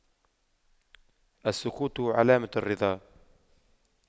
السكوت علامة الرضا